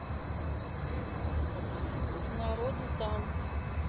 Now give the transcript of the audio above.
народу там